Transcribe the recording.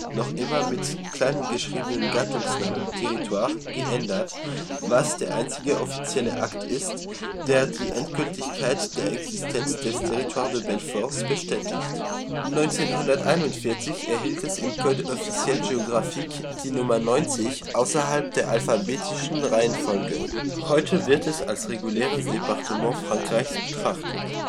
noch immer mit kleingeschriebenem Gattungsnamen territoire – geändert, was der einzige offizielle Akt ist, der die Endgültigkeit der Existenz des Territoire de Belfort bestätigt. 1941 erhielt es im Code officiel géographique die Nr. 90 außerhalb der alphabetischen Reihenfolge. Heute wird es als reguläres Département Frankreichs betrachtet